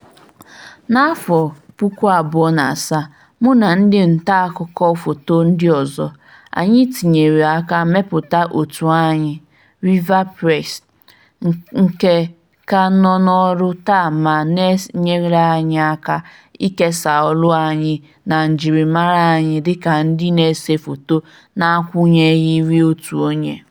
N'afọ 2007, mụ na ndị ntaakụkọ foto ndị ọzọ, anyị tinyere aka mepụta òtù anyị, RIVA PRESS, nke ka nọ n'ọrụ taa ma na-enyere anyị aka ikesa ọrụ anyị na njirimara anyị dịka ndị na-ese foto na-akwụnyeghịrị otu onye.